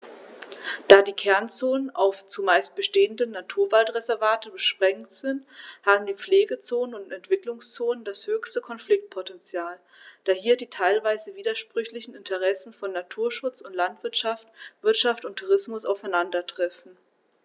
Da die Kernzonen auf – zumeist bestehende – Naturwaldreservate beschränkt sind, haben die Pflegezonen und Entwicklungszonen das höchste Konfliktpotential, da hier die teilweise widersprüchlichen Interessen von Naturschutz und Landwirtschaft, Wirtschaft und Tourismus aufeinandertreffen.